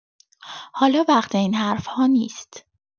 حالا وقت این حرف‌ها نیست!